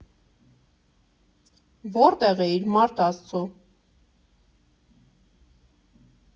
Որտե՞ղ էիր, մարդ աստծո։